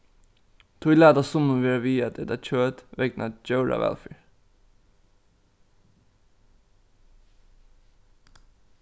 tí lata summi vera við at eta kjøt vegna djóravælferð